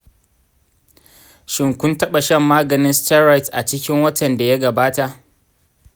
shin kun taɓa shan maganin steroids a cikin watan da ya gabata?